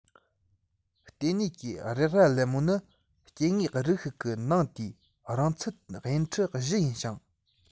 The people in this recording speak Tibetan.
ལྟེ གནས ཀྱི རེག རྭ ལེབ མ ནི སྐྱེ དངོས རིགས ཤིག གི ནང དེའི རིང ཚད དབྱིན ཁྲི བཞི ཡིན ཞིང